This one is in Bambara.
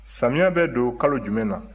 samiyɛ bɛ don kalo jumɛn na